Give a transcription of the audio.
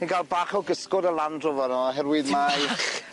Ni'n ga'l bach o gysgod o lan tro for 'no oherwydd mae... Tipyn bach!